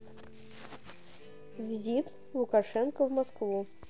визит лукашенко в москву